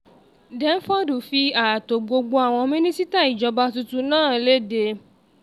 Denford fi ààtò gbogbo àwọn mínísítà ìjọba tuntun náà léde.